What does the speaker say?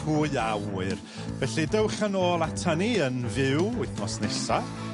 Pwy a wyr? Felly dowch yn ôl atan ni yn fyw wythnos nesa...